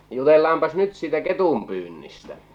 jutellaanpas nyt siitä ketunpyynnistä